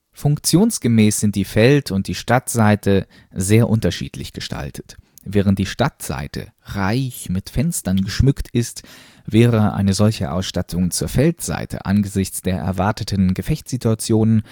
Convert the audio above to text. Funktionsgemäß sind die Feld - und die Stadtseite sehr unterschiedlich gestaltet. Während die Stadtseite reich mit Fenstern geschmückt ist, wäre eine solche Ausstattung zur Feldseite angesichts der erwarteten Gefechtssituationen